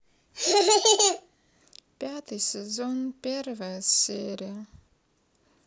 пятый сезон первая серия